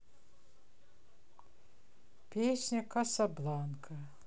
песня касабланка